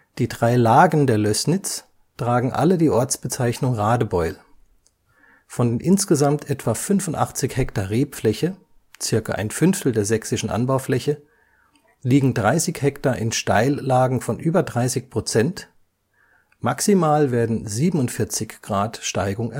Die drei Lagen der Lößnitz tragen alle die Ortsbezeichnung Radebeul. Von den insgesamt etwa 85 ha Rebfläche (circa ein Fünftel der sächsischen Anbaufläche) liegen 30 ha in Steillagen von über 30 %, maximal werden 47 Grad Steigung